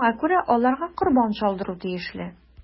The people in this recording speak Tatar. Шуңа күрә аларга корбан чалдыру тиешле.